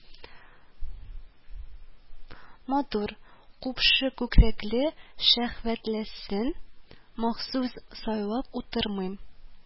- матур, купшы күкрәкле, шәһвәтлесен махсус сайлап утырмыйм